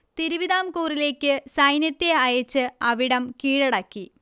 തിരുവിതാംകൂറിലേക്ക് സൈന്യത്തെ അയച്ച് അവിടം കീഴടക്കി